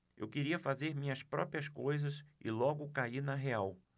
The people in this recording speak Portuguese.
eu queria fazer minhas próprias coisas e logo caí na real